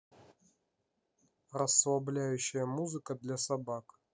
расслабляющая музыка для собак